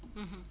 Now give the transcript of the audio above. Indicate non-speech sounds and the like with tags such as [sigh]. [hesitation] [hesitation]